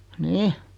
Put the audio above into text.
niin